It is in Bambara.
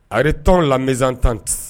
Are tɔn lami tan